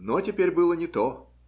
Но теперь было не то.